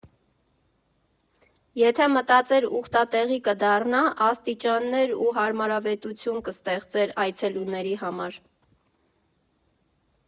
Եթե մտածեր՝ ուխտատեղի կդառնա, աստիճաններ ու հարմարավետություն կստեղծեր այցելուների համար։